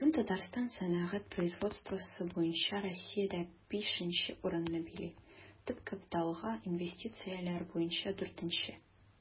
Бүген Татарстан сәнәгать производствосы буенча Россиядә 5 нче урынны били, төп капиталга инвестицияләр буенча 4 нче.